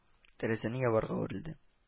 Тәрәзәне ябарга үрелде